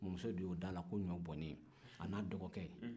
musow de y'o d'a la ko ɲɔbonnen a n'a dɔgɔkɛ